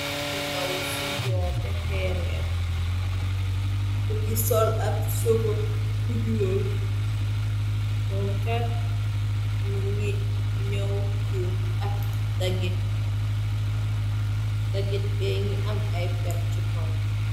Ab ndaw su njool teheereer bu yi sol ab sëbo bu ñuul moom kat mu ngi ñow chup ab dagit, beeh ngi am ay perr ci kaw.